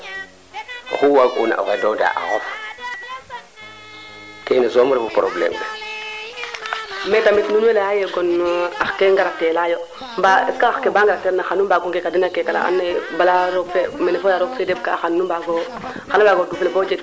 to weemo geeka den im ndeet o kentesoxa waag na geeka den te geeka namo ten yaam o ɓasil refe jambuur a jega ma o geeka ngaano weero leye ɓaslof mbokirano ndukan a nduktan naa andoo naye xene wala a nduq tan naa ando naye roog moƴu xana jeg manquant